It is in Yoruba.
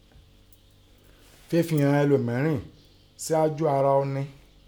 Fẹ́fi ìnan olòmírìn síájú ara ọni.